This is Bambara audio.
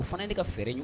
U fana ye ne ka fɛ ɲɔgɔn